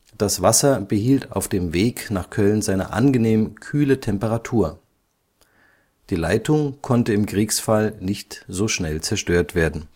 Das Wasser behielt auf dem Weg nach Köln seine angenehm kühle Temperatur. Die Leitung konnte im Kriegsfall nicht so schnell zerstört werden